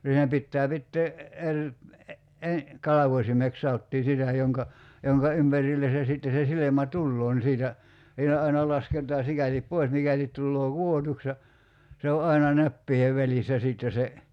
siinä pitää pitää eri - kalvosimeksi sanottiin sitä jonka jonka ympärille se sitten se silmä tulee niin siitä siinä aina lasketaan sikäli pois mikäli tulee kudotuksi ja se on aina näppien välissä sitten se